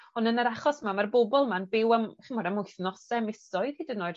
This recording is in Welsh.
On' yn yr achos 'ma ma'r bobol yma'n byw am ch'mod am wythnose misoedd hyd yn oed.